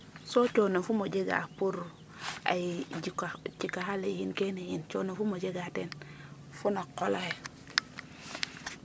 soo coono fum o jega pour ay cikax ale yiin kene yiin coono fum o jega teen fo na qol axe ?